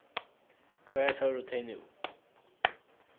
hvar fóru tey nú